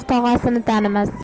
to'qmoq tog'asini tanimas